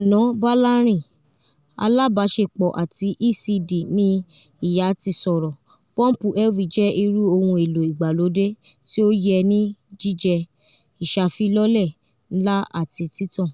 Ana Balarin, alabaṣepọ ati ECD ni Iya ti sọrọ: "Pọmpu Elvie jẹ iru ohun elo igbalode ti o yẹ ni jijẹ iṣafilọlẹ nla ati titan.